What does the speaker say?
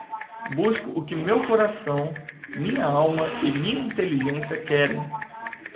busco o que meu coração minha alma e minha inteligência querem